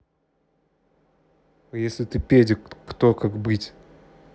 а если ты педик кто как быть